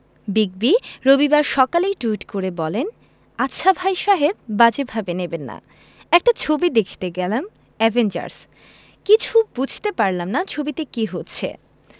big B রবিবার সকালেই tweet করে বলেন আচ্ছা ভাই সাহেব বাজে ভাবে নেবেন না একটা ছবি দেখতে গেলাম অ্যাভেঞ্জার্স কিছু বুঝতেই পারলাম না ছবিতে কী হচ্ছে